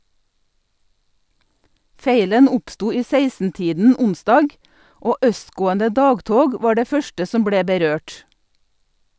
Feilen oppsto i 16-tiden onsdag, og østgående dagtog var det første som ble berørt.